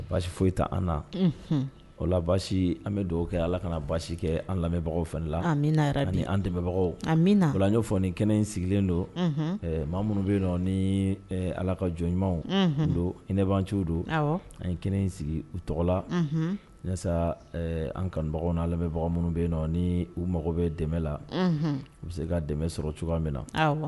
Baasi foyi an na o la basi an bɛ kɛ ala kana baasi kɛ an lamɛnbagaw fana la an dɛmɛbagawlan'o fɔ ni kɛnɛ in sigilen don maa minnu bɛ yen nɔ ni ala ka jɔn ɲumanw don hinɛbananci don an kɛnɛ in sigi u tɔgɔla an kanbagaw n lamɛnbagaw minnu bɛ yen nɔ ni u mago bɛ dɛmɛ la u bɛ se ka dɛmɛ sɔrɔ cogoya min na